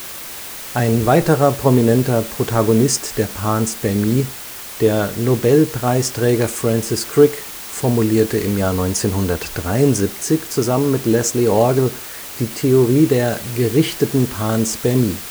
Ein weiterer prominenter Protagonist der Panspermie, der Nobelpreisträger Francis Crick, formulierte 1973 zusammen mit Leslie Orgel die Theorie der gerichteten Panspermie